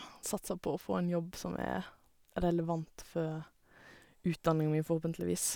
Satser på å få en jobb som er relevant for utdanninga mi, forhåpentligvis.